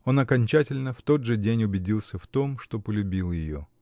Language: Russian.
он окончательно в тот же день убедился в том, что полюбил ее.